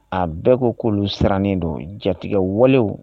A bɛɛ ko'olu sirannen don jatigi walew